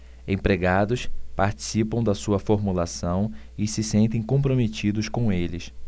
empregados participam da sua formulação e se sentem comprometidos com eles